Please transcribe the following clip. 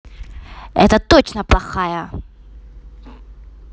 это точно плохая